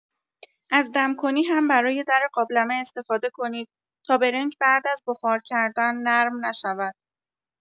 از دم کنی هم برای در قابلمه استفاده کنید تا برنج بعد از بخار کردن نرم نشود.